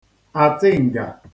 atịngà